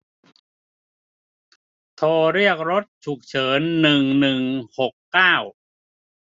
โทรเรียกรถฉุกเฉินหนึ่งหนึ่งหกเก้า